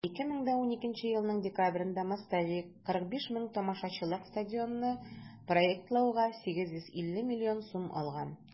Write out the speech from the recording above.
2012 елның декабрендә "мостовик" 45 мең тамашачылык стадионны проектлауга 850 миллион сум алган.